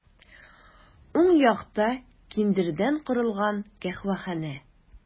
Уң якта киндердән корылган каһвәханә.